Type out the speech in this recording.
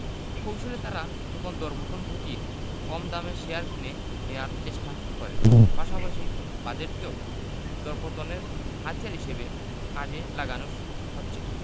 কৌশলে তাঁরা তখন দরপতন ঘটিয়ে কম দামে শেয়ার কিনে নেয়ার চেষ্টা করেন পাশাপাশি বাজেটকেও দরপতনের হাতিয়ার হিসেবে কাজে লাগানো হচ্ছে